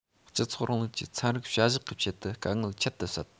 སྤྱི ཚོགས རིང ལུགས ཀྱི ཚན རིག བྱ གཞག གི ཆེད དུ དཀའ ངལ ཁྱད དུ བསད